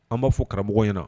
An b'a fɔ karamɔgɔ ɲɛna na